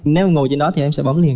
nếu ngồi trên đó thì em sẽ bấm liền